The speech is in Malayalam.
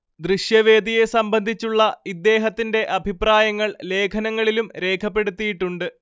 ദൃശ്യവേദിയെ സംബന്ധിച്ചുള്ള ഇദ്ദേഹത്തിന്റെ അഭിപ്രായങ്ങൾ ലേഖനങ്ങളിലും രേഖപ്പെടുത്തിയിട്ടുണ്ട്